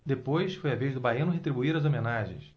depois foi a vez do baiano retribuir as homenagens